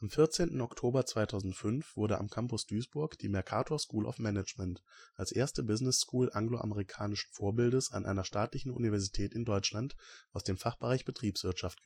14. Oktober 2005 wurde am Campus Duisburg die Mercator School of Management, als erste Business School angloamerikanischen Vorbildes an einer staatlichen Universität in Deutschland, aus dem Fachbereich Betriebswirtschaft